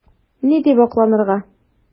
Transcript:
Ни дип акланырга?